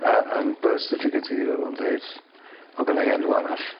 Yy 'yn birth certicate o'dd o'n deud o' gynna i enw arall.